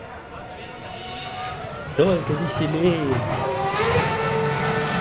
только веселее